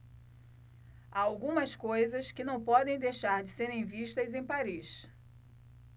há algumas coisas que não podem deixar de serem vistas em paris